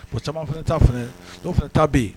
O caman fana fana taa bɛ yen